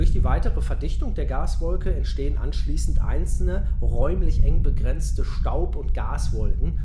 die weitere Verdichtung der Gaswolke entstehen einzelne Globulen (räumlich eng begrenzte Staub - und Gaswolken